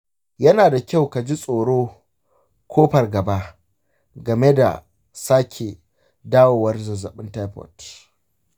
yana da kyau ka ji tsoro ko fargaba game da sake dawowar zazzabin taifot